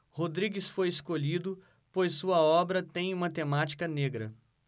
rodrigues foi escolhido pois sua obra tem uma temática negra